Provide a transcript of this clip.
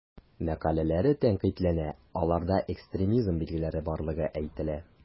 Мәкаләләре тәнкыйтьләнә, аларда экстремизм билгеләре барлыгы әйтелә.